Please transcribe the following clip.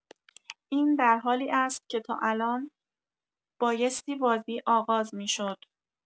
این در حالی است که تا الان بایستی بازی آغاز می‌شد